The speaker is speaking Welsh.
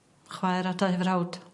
chwaer a dau frawd.